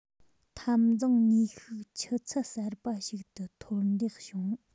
འཐབ འཛིང ནུས ཤུགས ཆུ ཚད གསར པ ཞིག ཏུ མཐོར འདེགས བྱུང